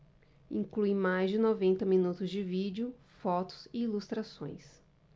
inclui mais de noventa minutos de vídeo fotos e ilustrações